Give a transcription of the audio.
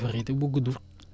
variété bu gudd